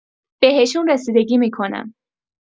بهشون رسیدگی می‌کنم.